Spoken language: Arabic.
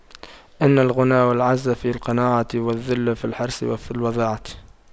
إن الغنى والعز في القناعة والذل في الحرص وفي الوضاعة